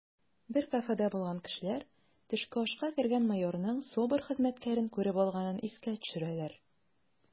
Бер кафеда булган кешеләр төшке ашка кергән майорның СОБР хезмәткәрен күреп алганын искә төшерәләр: